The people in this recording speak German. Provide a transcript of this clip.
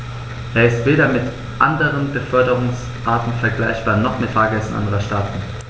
Er ist weder mit anderen Beförderungsarten vergleichbar, noch mit Fahrgästen anderer Staaten.